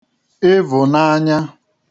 ịvụ̀nanya